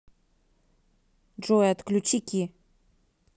джой отключи ки